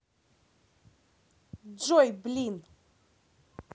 джой блин